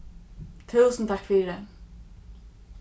túsund takk fyri